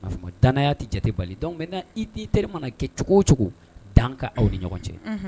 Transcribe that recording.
A fɔ ko danaya tɛ jate bali donc maintenant i teri ma na kɛ cogo o cogo dan kaɲi aw ni ɲɔgɔn cɛ, unhun.